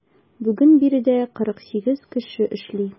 Бүген биредә 48 кеше эшли.